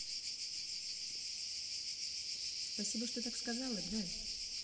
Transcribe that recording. спасибо что так сказала джой